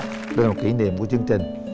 đây là kỉ niệm của chương trình